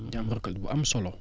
di nga am récolte bu am solo